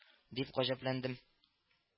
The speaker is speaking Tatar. — дип гаҗәпләндем